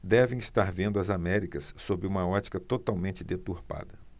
devem estar vendo as américas sob uma ótica totalmente deturpada